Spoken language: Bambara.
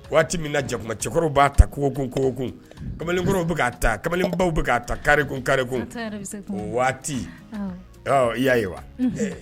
Waati min na jakumacɛkɔrɔw b'a ta kogokun kogokun kamalenkɔrɔw bɛ k'a ta kamalenbaw bɛ k'a ta carré kun carré kun tonton yɛrɛ bɛ se kuma na o waati awɔ ɔɔ i y'a ye wa unhun ɛɛ